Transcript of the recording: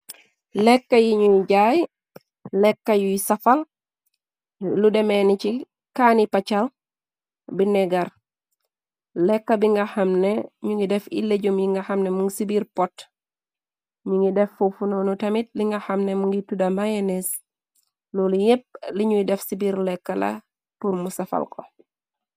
Lekku yi ñuy jaay lekka yuy safal lu demeeni ci kaani paccal bi negar lekk bi nga xamne ñu ngi def ay lejum yi nga xamne mung ci biir pot ñu ngi def fufu noonu tamit li nga xamne mngi tuda mayenees lulu yépp li ñuy def si biir lekk la tur mu safal ko.